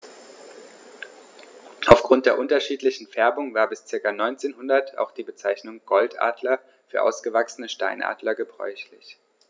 Auf Grund der unterschiedlichen Färbung war bis ca. 1900 auch die Bezeichnung Goldadler für ausgewachsene Steinadler gebräuchlich.